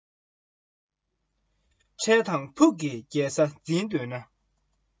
ཉེ རིང མེད པར གསེར ཁྲིའི ཐོགས ནས བཟུང